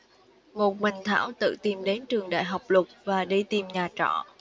một mình thảo tự tìm đến trường đại học luật và đi tìm nhà trọ